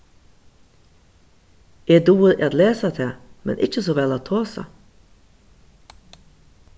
eg dugi at lesa tað men ikki so væl at tosa